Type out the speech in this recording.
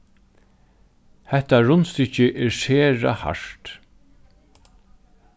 hetta rundstykkið er sera hart